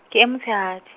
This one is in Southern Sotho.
ke e motshehadi.